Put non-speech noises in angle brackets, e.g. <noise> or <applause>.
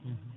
<hesitation> <hesitation>